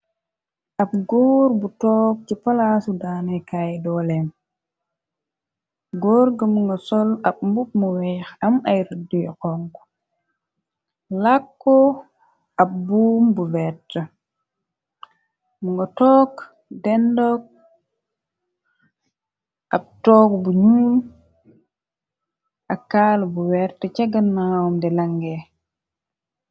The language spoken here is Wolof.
Ab góor bu toog ci palaasu daanekaay doolem goór ga mu nga sol ab mbumu weex am ay rëdde yu xonxo làkko ab buum bu werta mu nga took dendoog ab toog bu nuul ak kala bu werte sa ganawam di langee.